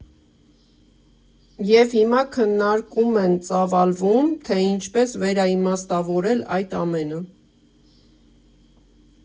Եվ հիմա քննարկում են ծավալվում, թե ինչպես վերաիմաստավորել այդ ամենը։